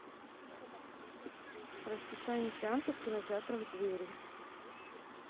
расписание сеансов в кинотеатрах двери